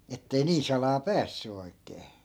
että ei niin salaa päässyt oikein